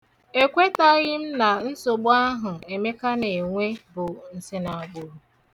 Ekwetaghị na nsogbu ahụ Emeka na-enwe bụ nsinagbụrụ.